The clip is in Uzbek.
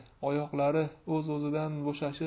oyoqlari o'z o'zidan bo'shashib